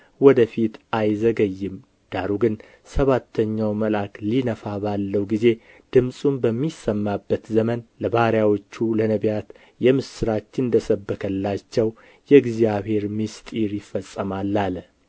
ወደ ፊት አይዘገይም ዳሩ ግን ሰባተኛው መልአክ ሊነፋ ባለው ጊዜ ድምፁም በሚሰማበት ዘመን ለባሪያዎቹ ለነቢያት የምስራች እንደ ሰበከላቸው የእግዚአብሔር ምሥጢር ይፈጸማል አለ